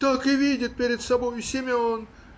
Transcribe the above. Так и видит перед собою Семен